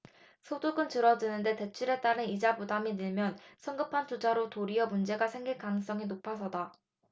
소득은 줄어드는데 대출에 따른 이자 부담이 늘면 성급한 투자로 도리어 문제가 생길 가능성이 높아서다